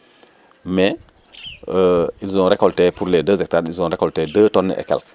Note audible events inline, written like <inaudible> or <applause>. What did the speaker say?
mais <hesitation> ils ont récolté pour les 2 hectars 2 tonnes et quelque